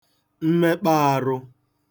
mmekpā ārụ̄